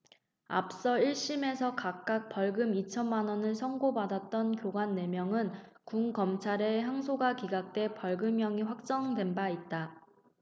앞서 일 심에서 각각 벌금 이천 만 원을 선고받았던 교관 네 명은 군 검찰의 항소가 기각돼 벌금형이 확정된 바 있다